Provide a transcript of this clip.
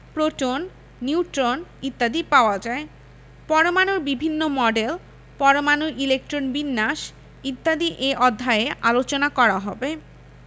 proton neutron ইত্যাদি পাওয়া যায় পরমাণুর বিভিন্ন মডেল পরমাণুর ইলেকট্রন বিন্যাস ইত্যাদি এ অধ্যায়ে আলোচনা করা হবে